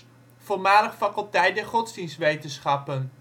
voormalig Faculteit der Godsdienstwetenschappen